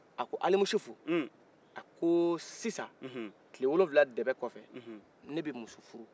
ako alimousoufou a ko sinsa tile wolowula tɛmɛ ko fɛ ne bɛ muso furu